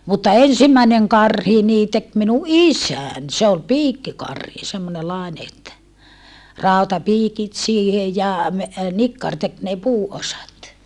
mutta ensimmäinen karhi niin teki minun isäni se oli piikkikarhi semmoinen - että rautapiikit siihen ja - nikkari teki ne puuosat